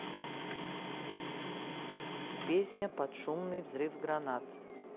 песня под шумный взрыв гранат